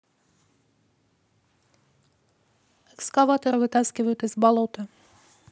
экскаватор вытаскивают из болота